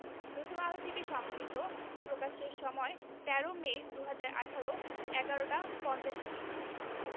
প্রথম আলো হতে সংগৃহীত প্রকাশের সময় ১৩ মে ২০১৮ ১১ টা ৫০ মিনিট